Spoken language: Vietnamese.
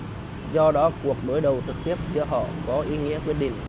do đó cuộc đối đầu trực tiếp giữa họ có ý nghĩa quyết định